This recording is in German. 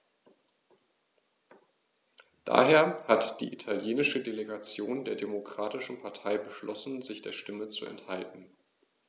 Daher hat die italienische Delegation der Demokratischen Partei beschlossen, sich der Stimme zu enthalten.